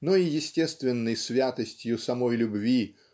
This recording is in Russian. но и естественной святостью самой любви